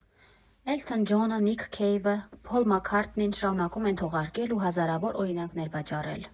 Էլթոն Ջոնը, Նիք Քեյվը, Փոլ Մաքքարթնին շարունակում են թողարկել ու հազարավոր օրինակներ վաճառել։